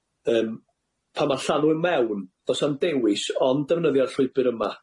Yym pan ma' llanw i mewn, do's 'a'm dewis ond defnyddio'r llwybyr yma.